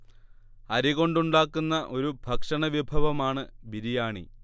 അരി കൊണ്ടുണ്ടാക്കുന്ന ഒരു ഭക്ഷണ വിഭവമാണ് ബിരിയാണി